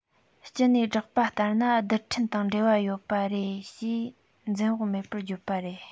ཕྱི ནས བསྒྲགས པ ལྟར ན རྡུལ ཕྲན དང འབྲེལ བ ཡོད པ རེད ཅེས འཛེམ བག མེད པར བརྗོད པ རེད